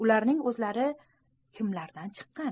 ularning o'zlari kimlardan chiqqan